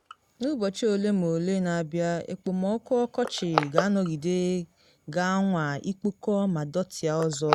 N’ụbọchị ole ma ole na abịa, ekpomọkụ ọkọchị ga-anọgide ga-anwa ịkpụkọ ma dọtịa ọzọ.